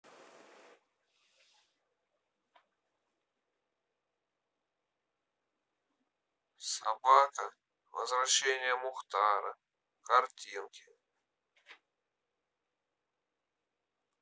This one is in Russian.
собака возвращение мухтара картинки